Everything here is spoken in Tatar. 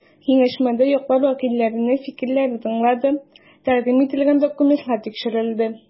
Киңәшмәдә яклар вәкилләренең фикерләре тыңланды, тәкъдим ителгән документлар тикшерелде.